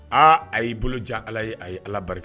Aa a y'i bolojan ala ye a ye ala barika